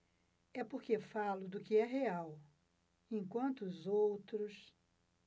é porque falo do que é real enquanto os outros